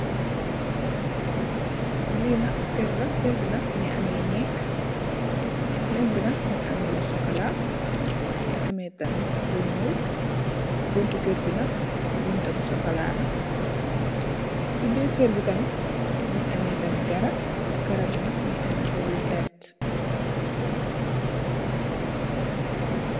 Lee nak kerr la kerr be nak muge ameh neeg neeg be nak muge ameh lu sukola muge ameh tamin lu nuul bunte kerr be nak bunta bu sukola la se birr kerr be tamin muge ameh tamin garab garab be nak muge ameh xopp yu verte.